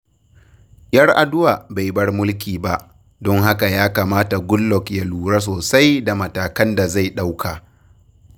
Yar'adua bai bar mulki ba, don haka ya kamata Goodluck ya lura sosai da matakan da zai ɗauka.